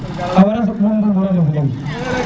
a leya soɓ lul ndundur a rey leŋ